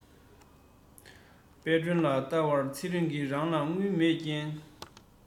དཔལ སྒྲོན ལ བལྟ བར ཚེ རིང གི རང ལ དངུལ མེད རྐྱེན